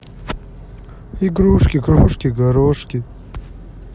игрушки крошки горошки